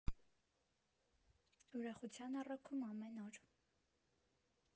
Ուրախության առաքում ամեն օր։